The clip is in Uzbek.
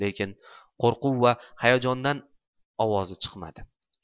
lekin qo'rquv va hayajondan ovozi chiqmadi